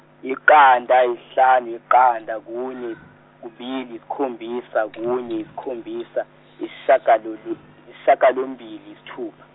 yiqanda yisihlanu yiqanda kunye kubili yisikhombisa kunye yisikhombisa yisishagalolu- yishagalombili yisithupha.